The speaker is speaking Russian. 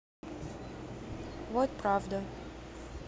вот правда